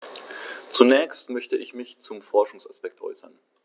Zunächst möchte ich mich zum Forschungsaspekt äußern.